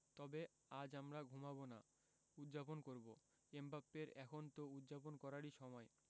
তবে আজ আমরা ঘুমাব না উদ্ যাপন করব এমবাপ্পের এখন তো উদ্ যাপন করারই সময়